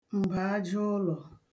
m̀bòajaụlọ̀